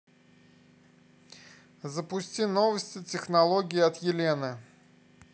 запусти новости технологии от елены